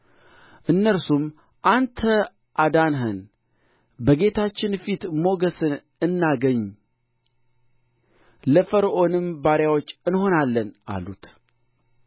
እነርሱም አንተ አዳነኸን በጌታችን ፊት ሞገስን አናግኝ ለፈርዖንም ባሪያዎች እንሆናለን አሉት